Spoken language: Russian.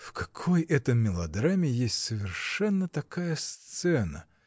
-- В какой это мелодраме есть совершенно такая сцена?